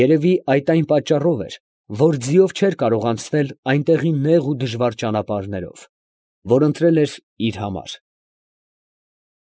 Երևի այդ այն պատճառով էր, որ ձիով չէր կարող անցնել այնտեղի նեղ և դժվարին ճանապարհներով, որ ընտրել էր իր համար։